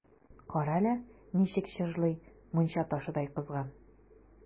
Кара әле, ничек чыжлый, мунча ташыдай кызган!